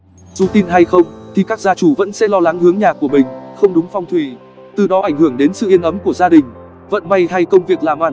dù tin hay không thì các gia chủ vẫn sẽ lo lắng hướng nhà của mình không đúng phong thủy từ đó ảnh hưởng đến sự yên ấm của gia đình vận may hay công việc làm ăn